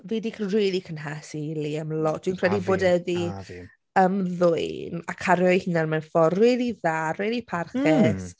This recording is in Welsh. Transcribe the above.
Fi 'di c- rili cynhesu i Liam lot. Dwi'n credu bod e 'di... a fi a fi ...ymddwyn a cario ei hunan mewn ffordd rili dda... mm! ...rili parchus.